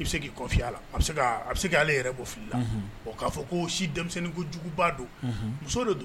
I bɛ se ala la bɛ bɛ se k ala yɛrɛ bɔ fili la k'a fɔ ko si denmisɛnnin kojuguba don muso de don